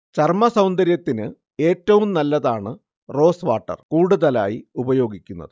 ചർമ്മ സൗന്ദര്യത്തിന് ഏറ്റവും നല്ലതാണ് റോസ് വാട്ടർ കൂടുതലായി ഉപയോഗിക്കുന്നത്